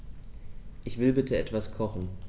Ich will bitte etwas kochen.